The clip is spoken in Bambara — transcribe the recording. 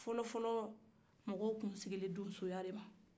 fɔlɔfɔlɔmɔgɔ tun sigilen bɛ donsoya de kan